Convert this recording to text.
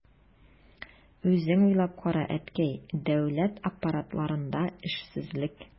Үзең уйлап кара, әткәй, дәүләт аппаратларында эшсезлек...